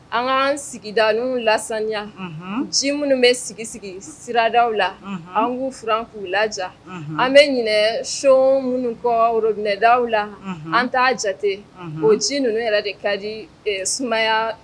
An kaan sigida lasanya ji minnu bɛ sigi sigi siradaw la an b'u furan k'u laja an bɛ ɲ so minnu kɔminɛda la an t'a jatete o ji ninnu yɛrɛ de ka di sumaya